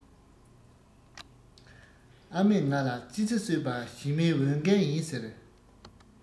ཨ མས ང ལ ཙི ཙི གསོད པ ཞི མིའི འོས འགན ཡིན ཟེར